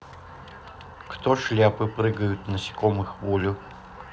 кто шляпы прыгают насекомых волю